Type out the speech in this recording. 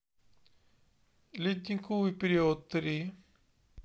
ледниковый период три